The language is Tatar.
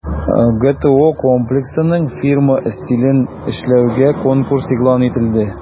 ГТО Комплексының фирма стилен эшләүгә конкурс игълан ителде.